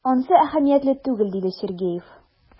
Ансы әһәмиятле түгел,— диде Сергеев.